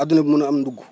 adduna bi mun a am ndugg